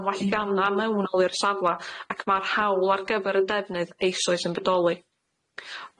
am walltgana mewnol i'r safla ac ma'r hawl ar gyfer y defnydd eisoes yn bodoli.